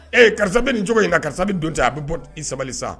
Ee karisa bɛ ni cogo in nka karisa bɛ don cɛ a bɛ bɔ i sabali sa